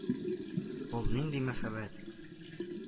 Ул нинди мәһабәт